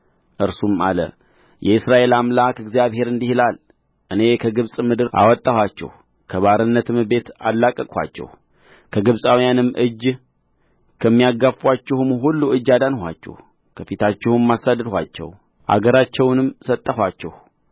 እርሱም አለ የእስራኤል አምላክ እግዚአብሔር እንዲህ ይላል እኔ ከግብፅ ምድር አወጣኋችሁ ከባርነትም ቤት አስለቀቅኋችሁ ከግብፃውያንም እጅ ከሚጋፉአችሁም ሁሉ እጅ አዳንኋችሁ ከፊታችሁም አሳደድኋቸው አገራቸውንም ሰጠኋችሁ